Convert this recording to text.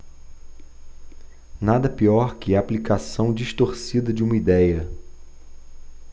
nada pior que a aplicação distorcida de uma idéia